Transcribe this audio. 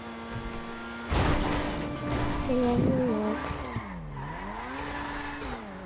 половой акт